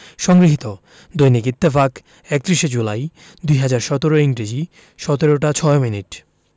সংগৃহীত দৈনিক ইত্তেফাক ৩১ জুলাই ২০১৭ ইংরেজি ১৭ টা ৬ মিনিট